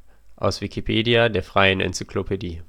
aus Wikipedia, der freien Enzyklopädie